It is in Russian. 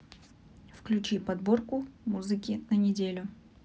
включи подборку музыки за неделю